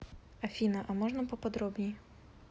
афина а можно поподробнее